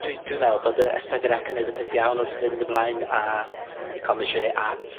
dwi, dwi'n me'wl bod yy Es Peswad Ec yn neud y peth iawn wrth fynd ymlaen a comisiynu aps